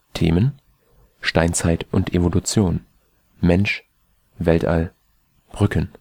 Themen: Steinzeit und Evolution, Mensch, Weltall, Brücken